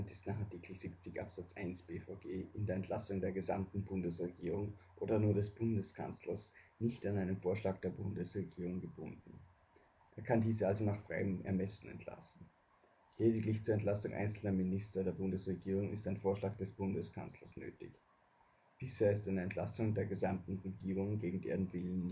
Art. 70 Abs 1 B-VG in der Entlassung der gesamten Bundesregierung oder nur des Bundeskanzlers nicht an einen Vorschlag der Bundesregierung gebunden. Er kann diese also nach freiem Ermessen entlassen. Lediglich zur Entlassung einzelner Mitglieder der Bundesregierung ist ein Vorschlag des Bundeskanzlers nötig. Bisher ist eine Entlassung der gesamten Regierung gegen deren Willen nicht